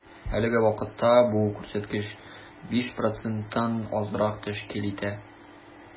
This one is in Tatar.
Әлеге вакытта бу күрсәткеч 5 проценттан азрак тәшкил итә.